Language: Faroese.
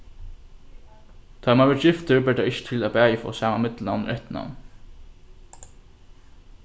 tá ið mann verður giftur ber tað ikki til at bæði fáa sama millumnavn og eftirnavn